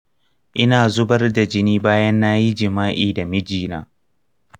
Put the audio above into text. ina zubar da jini bayan nayi jima'i da miji na.